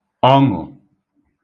ọṅụ̀